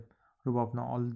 rubobini oldi da